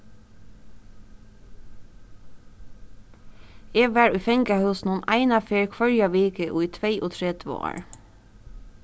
eg var í fangahúsinum eina ferð hvørja viku í tveyogtretivu ár